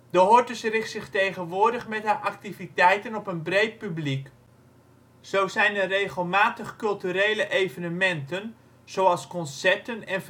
De Hortus richt zich tegenwoordig met haar activiteiten op een breed publiek. Zo zijn er regelmatig culturele evenementen zoals concerten en